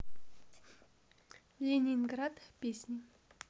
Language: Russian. ленинград песни